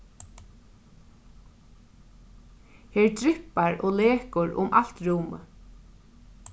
her dryppar og lekur um alt rúmið